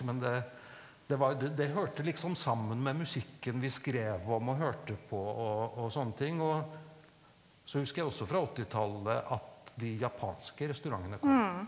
men det det var det det hørte liksom sammen med musikken vi skrev om og hørte på og og sånne ting, og så husker jeg også fra åttitallet at de japanske restaurantene kom.